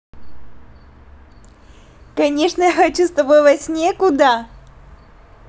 конечно я хочу с тобой во сне куда